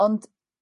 ond